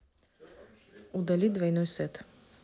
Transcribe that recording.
удали двойной сет